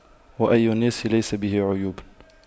وأي الناس ليس به عيوب